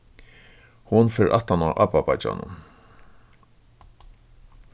hon fer aftan á abbabeiggjanum